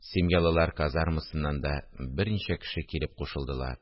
Семьялылар казармасыннан да берничә кеше килеп кушылдылар